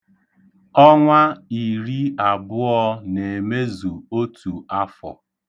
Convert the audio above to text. Ọnwa iri abụọ na-emezu otu afọ.